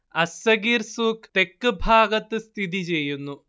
അസ്സഗീർ സൂഖ് തെക്ക് ഭാഗത്ത് സ്ഥിതി ചെയ്യുന്നു